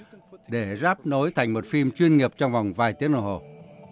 để ráp nối thành một phim chuyên nghiệp trong vòng vài tiếng đồng hồ